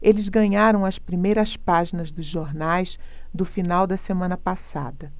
eles ganharam as primeiras páginas dos jornais do final da semana passada